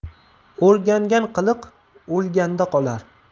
o'rgangan qiliq o'lganda qolar